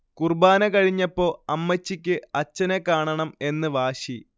കുർബ്ബാന കഴിഞ്ഞപ്പോ അമ്മച്ചിക്ക് അച്ചനെ കാണണം എന്ന് വാശി